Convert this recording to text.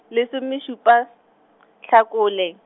lesomešupa , Hlakole.